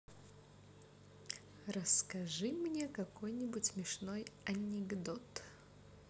расскажи мне какой смешной анекдот